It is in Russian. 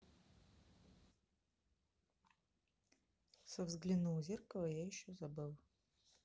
со взглянул зеркало я еще забыл